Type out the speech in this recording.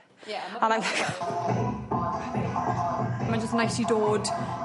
A mae'n mae'n jyst neis i dod